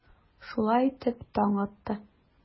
Шулай итеп, таң атты.